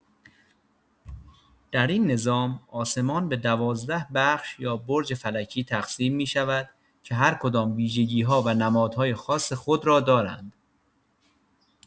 در این نظام، آسمان به دوازده بخش یا برج فلکی تقسیم می‌شود که هرکدام ویژگی‌ها و نمادهای خاص خود را دارند.